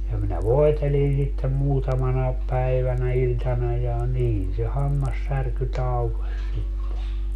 ja minä voitelin sitten muutamana päivänä iltana ja niin se hammassärky taukosi sitten